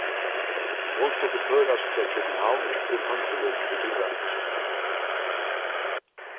hon skuldi førast frá kjøpinhavn til handilin í tinganesi